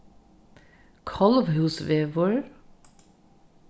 kálvhúsvegur